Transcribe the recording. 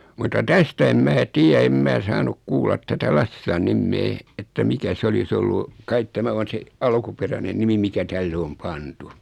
mutta tästä en minä tiedä en minä saanut kuulla tätä Lassilan nimeä että mikä se olisi ollut kai tämä on se alkuperäinen nimi mikä tälle on pantu